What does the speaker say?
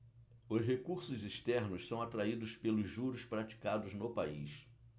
os recursos externos são atraídos pelos juros praticados no país